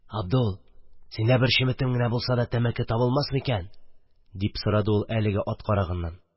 Абдул, синдә бер чеметем генә булса да тәмәке табылмас микән? – дип сорады ул ат карагыннан